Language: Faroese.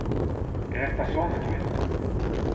er hetta sonur tín